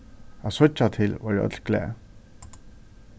at síggja til vóru øll glað